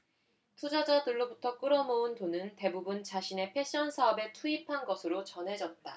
투자자들로부터 끌어모은 돈은 대부분 자신의 패션사업에 투입한 것으로 전해졌다